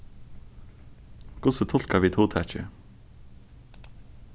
hvussu tulka vit hugtakið